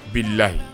Bilaye